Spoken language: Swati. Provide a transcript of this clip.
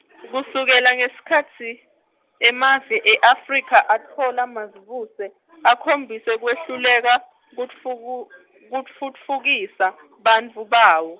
kusukela ngesikhatsi, emave e-Afrika atfola mazibuse, akhombise kwehluleka, kutfuku- kutfutfukisa, bantfu bawo.